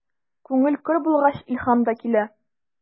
Күңел көр булгач, илһам да килә.